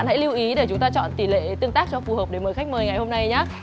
hãy lưu ý để chọn tỉ lệ tương tác cho phù hợp để mời khách mời ngày hôm nay nhá